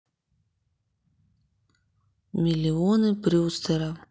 миллионы брюстера